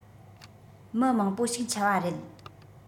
མི མང པོ ཞིག འཆི བ རེད